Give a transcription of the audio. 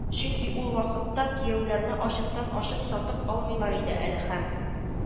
Чөнки ул вакытта кияүләрне ачыктан-ачык сатып алмыйлар иде әле һәм…